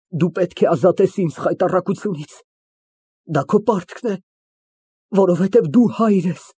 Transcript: Դու պետք է ազատես ինձ խայտառակությունից։ Այդ քո պարտքն է, որովհետև դու հայր ես։